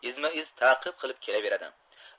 izma iz ta'qib qilib kelaveradi